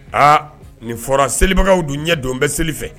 A nin fɔra selibagaw dun ɲɛ don bɛ seli fɛ